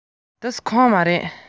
ཞབས འདྲ བ ཞིག བཏགས ནས